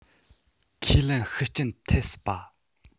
ཁས ལེན ཤུགས རྐྱེན ཐེབས སྲིད པ